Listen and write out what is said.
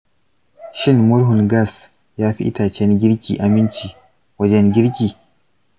shin murhun gas ya fi itacen girki aminci wajen girki?